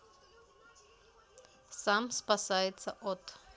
сам спасается от